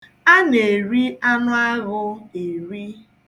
A na-eri anụ aghụ eri.